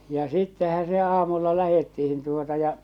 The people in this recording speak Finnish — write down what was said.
ja sittenhän se aamulla lähdettiin tuota ja